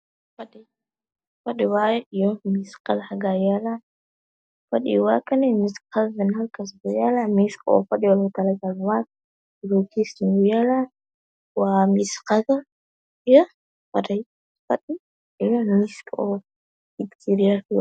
Fadhi fadhi waaye iyo miis qado oo xaga yaalaan . Fadhiga waa kan miiska qadane hlkaas ayuu yaalaa. miiska oo fadhiga loogu talagalay waa. Geeska yaalaa Waa miis qado iyo fadhi. Fadhi iyo miis bakeeriyaal